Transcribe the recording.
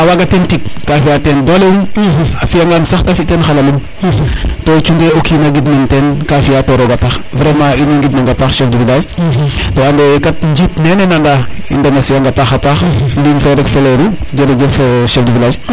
a waga ten tig ka fiya te dole um a fiya ngan sax te fi ten xalalum to cunge o kina gidmin ten ka fiya to roga tax vraiment in way ngidmaŋa paax to ande kat njit nene nana i remercier ang a paaxa paax ligne fe rek feleru jerejef chef ;fra du village